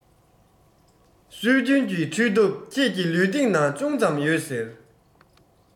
སྲོལ རྒྱུན གྱི འཕྲུལ ཐབས ཁྱེད ཀྱི ལུས སྟེང ན ཅུང ཙམ ཡོད ཟེར